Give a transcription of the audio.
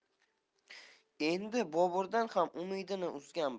endi boburdan ham umidini uzgan